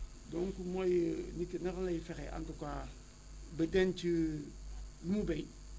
donc mooy nit yi naka lay fexee en tout cas ba denc li mu béy